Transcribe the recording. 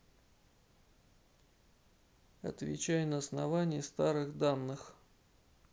отвечай на основании старых данных